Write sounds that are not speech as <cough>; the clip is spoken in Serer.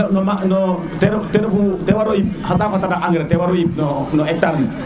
nona no <hesitation> te refu te refu ten waro yip xa saaku xa taɗaq engrais te waro yip no <hesitation> hectar ne